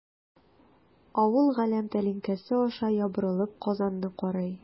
Авыл галәм тәлинкәсе аша ябырылып Казанны карый.